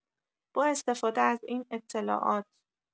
با استفاده از این اطلاعات